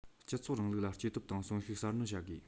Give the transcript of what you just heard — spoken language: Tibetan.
སྤྱི ཚོགས རིང ལུགས ལ སྐྱེ སྟོབས དང གསོན ཤུགས གསར སྣོན བྱ དགོས